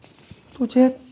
thôi chết